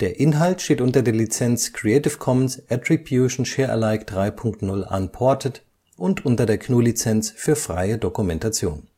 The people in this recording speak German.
Inhalt steht unter der Lizenz Creative Commons Attribution Share Alike 3 Punkt 0 Unported und unter der GNU Lizenz für freie Dokumentation